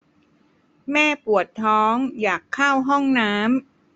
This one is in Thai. แม่ปวดท้องอยากเข้าห้องน้ำ